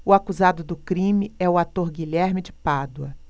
o acusado do crime é o ator guilherme de pádua